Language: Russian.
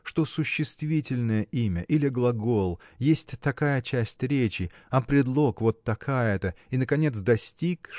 что существительное имя или глагол есть такая часть речи а предлог вот такая-то и наконец достиг